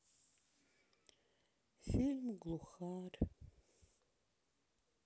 фильм глухарь